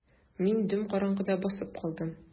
Мин дөм караңгыда басып калдым.